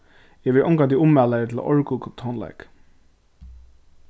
eg verði ongantíð ummælari til orgultónleik